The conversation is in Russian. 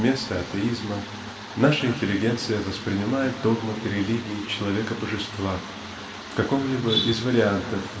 вместо атеизма наша интеллигенция воспринимает догматы религии человекобожества в каком-либо из вариантов